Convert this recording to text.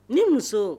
Ni muso